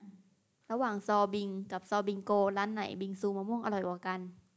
ระหว่างซอลบิงกับซอบิงโกร้านไหนบิงซูมะม่วงอร่อยกว่ากัน